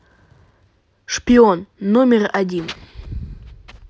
шпион номер один